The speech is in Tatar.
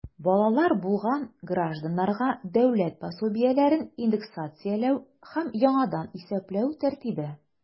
Балалары булган гражданнарга дәүләт пособиеләрен индексацияләү һәм яңадан исәпләү тәртибе.